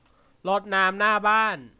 รดน้ำหน้าบ้าน